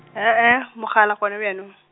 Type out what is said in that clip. e e, mogala gone jaanong.